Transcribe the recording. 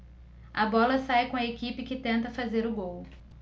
a bola sai com a equipe que tenta fazer o gol